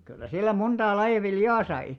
kyllä sillä montaa lajia viljaa sai